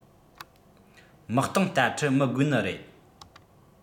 དམག སྟོང རྟ ཁྲི མི དགོས ནི རེད